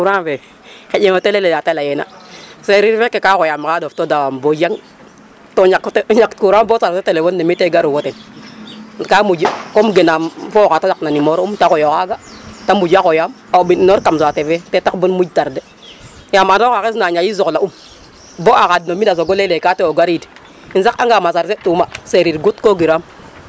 kom genam fo oxa ta saxna numéro um ta xooy oxaaga ta muj o xooyam a mba o inoor kam saate fe ta tax bom muj tarder yaam oxa ando xesna ñaƴik soxla'um bo a xaad no mbind ne a layel e ka te o garid, um saq'anga ma charger tuma Serir guutkoogiram